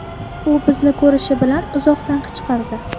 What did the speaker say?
u bizni ko'rishi bilan uzoqdan qichqirdi